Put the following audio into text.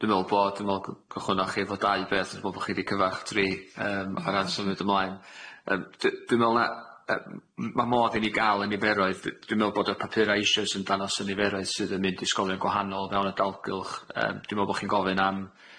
Dwi me'wl bod, dwi'n me'wl gychwynnoch chi efo dau beth dwi'n me'wl bo' chi 'di cyfarch tri yym o ran symud ymlaen yym d- dwi'n me'wl na yy m- ma' modd i ni ga'l y niferoedd d- dwi'n me'wl bod y papura eisoes yn danos y niferoedd sydd yn mynd i ysgolion gwahanol o fewn y dalgylch yym dwi me'wl bo' chi'n gofyn am